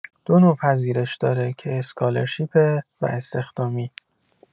دو نوع پذیرش داره که اسکولارشیپه و استخدامی.